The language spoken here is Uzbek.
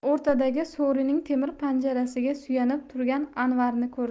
o'rtadagi so'rining temir panjarasiga suyanib turgan anvarni ko'rdi